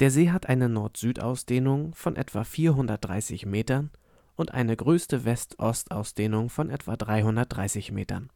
See hat eine Nord-Süd-Ausdehnung von etwa 430 Metern und eine größte West-Ost-Ausdehnung von etwa 330 Metern